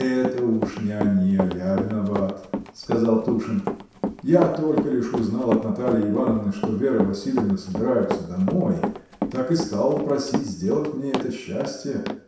— Это уж не они, а я виноват, — сказал Тушин, — я только лишь узнал от Натальи Ивановны, что Вера Васильевна собираются домой, так и стал просить сделать мне это счастье.